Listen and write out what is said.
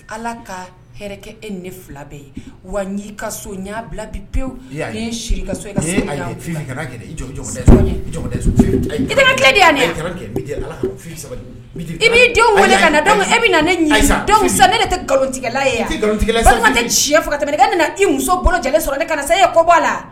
Ala ka e ne fila bɛ ye wa ni ka so bila bi i e bɛ ne netigɛla tɛmɛ i muso sɔrɔ ne ye kɔ bɔ la